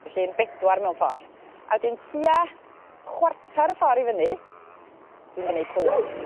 Felly yn bedwar mewn ffor. A wedyn tua chwarter y ffor i fyny dwi'n gwneu' cwlwm.